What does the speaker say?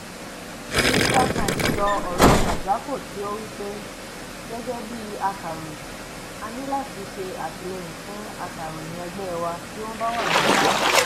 Nyssatimes sọ ọ̀rọ̀ Kazako tí ó wí pé: "Gẹ́gẹ́ bíi akàròyìn, a ní láti ṣe àtìlẹ́yìn fún akàròyìn ẹgbẹ́ wa bí wọ́n bá wà nínú ọ̀ràn.